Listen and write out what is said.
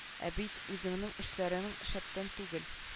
Ә бит үзеңнең эшләрең шәптән түгел